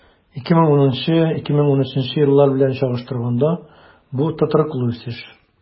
2010-2013 еллар белән чагыштырганда, бу тотрыклы үсеш.